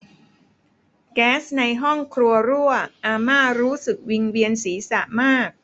แก๊สในห้องครัวรั่วอาม่ารู้สึกวิงเวียนศีรษะมาก